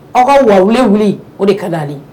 Aw ka wawulen wuli, o de kadi ale ye